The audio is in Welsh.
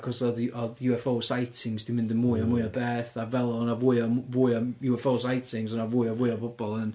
cos oedd i- UFO sightings 'di mynd yn mwy a mwy o beth, a fel o' 'na fwy a fwy o UFO sightings*, o' 'na fwy a fwy o bobl yn...